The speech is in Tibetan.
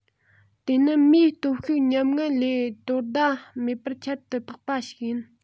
དེ ནི མིའི སྟོབས ཤུགས ཉམས ངན ལས དོ ཟླ མེད པར ཁྱད དུ འཕགས པ ཡིན